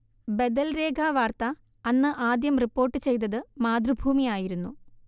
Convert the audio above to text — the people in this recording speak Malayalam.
ബദൽരേഖാ വാർത്ത അന്ന് ആദ്യം റിപ്പോർട്ടുചെയ്തത് മാതൃഭൂമിയായിരുന്നു